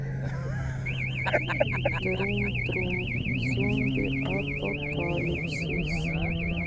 трум трум зомби апокалипсис